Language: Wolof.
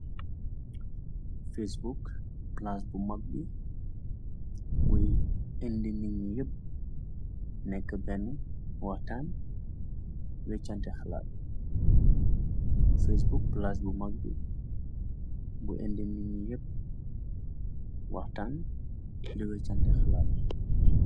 Facebook palace bu makh bii moye indi nicknyap neka bena wahtan wechan teh halat